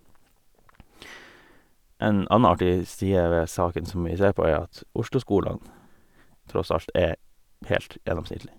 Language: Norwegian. En anna artig side ved saken som vi ser på er at Oslo-skolene tross alt er helt gjennomsnittlig.